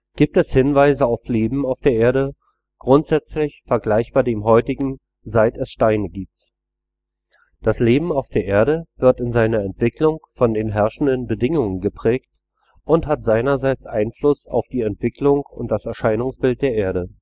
gibt es Hinweise auf Leben auf der Erde, grundsätzlich vergleichbar dem heutigen, „ seit es Steine gibt “. Das Leben auf der Erde wird in seiner Entwicklung von den herrschenden Bedingungen geprägt und hat seinerseits Einfluss auf die Entwicklung und das Erscheinungsbild der Erde